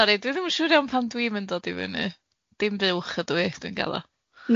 Sori, dwi ddim yn siŵr iawn pam dwi'm yn dod i fyny. Dim buwch ydw i, dwi'n gaddo.